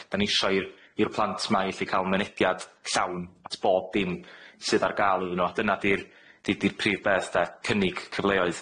'Dan ni isio i'r i'r plant 'ma i ellu ca'l mynediad llawn at bob dim sydd ar ga'l iddyn nw, a dyna di'r di'r di'r prif beth 'de, cynnig cyfleoedd.